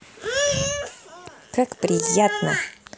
как приятно